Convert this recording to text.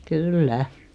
kyllä